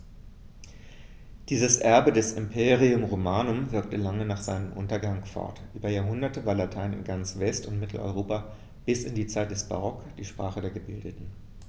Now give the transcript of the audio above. Dieses Erbe des Imperium Romanum wirkte lange nach seinem Untergang fort: Über Jahrhunderte war Latein in ganz West- und Mitteleuropa bis in die Zeit des Barock die Sprache der Gebildeten.